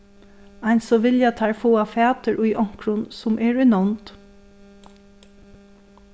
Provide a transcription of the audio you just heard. eins og vilja teir fáa fatur í onkrum sum er í nánd